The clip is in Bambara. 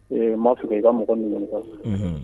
Ee Mah Suko i ka mɔgɔ min unhun